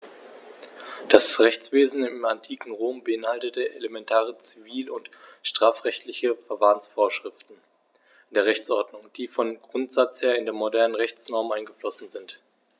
Das Rechtswesen im antiken Rom beinhaltete elementare zivil- und strafrechtliche Verfahrensvorschriften in der Rechtsordnung, die vom Grundsatz her in die modernen Rechtsnormen eingeflossen sind.